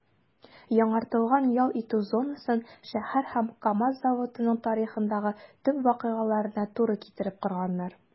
Яңартылган ял итү зонасын шәһәр һәм КАМАЗ заводының тарихындагы төп вакыйгаларына туры китереп корганнар.